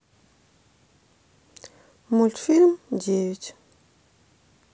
мультфильм девять